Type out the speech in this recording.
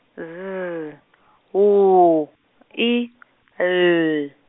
Z W I L.